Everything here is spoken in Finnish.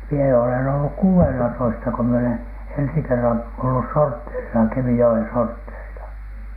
minä olen ollut kuudennellatoista kun minä olen ensi kerran ollut sortteerissa Kemijoen sortteerilla